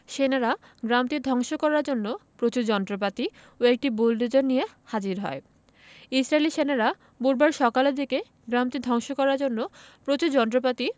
সেনারা গ্রামটি ধ্বংস করার জন্য প্রচুর যন্ত্রপাতি ও একটি বুলোডোজার নিয়ে হাজির হয় ইসরাইলী সেনারা বুধবার সকালের দিকে গ্রামটি ধ্বংস করার জন্য প্রচুর যন্ত্রপাতি